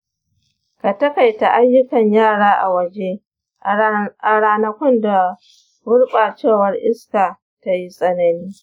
ka takaita ayyukan yara a waje a ranakun da gurbacewar iska ta yi tsanani.